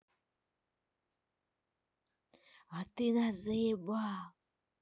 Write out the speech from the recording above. а ты нас заебал